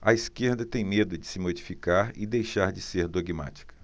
a esquerda tem medo de se modificar e deixar de ser dogmática